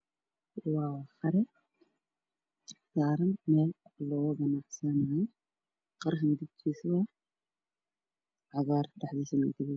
Waa qare saaran meel lagu ganacsanayo qaraha midabkiisu waa cagaar dhexdiisana waa guduud